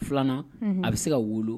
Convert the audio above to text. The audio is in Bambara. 2 nan unhun a be se ka wolo